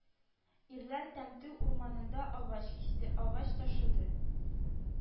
Ирләр тәмте урманында агач кисте, агач ташыды